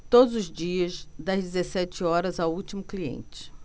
todos os dias das dezessete horas ao último cliente